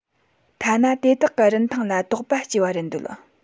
ཐ ན དེ དག གི རིན ཐང ལ དོགས པ སྐྱེ བ རེད འདོད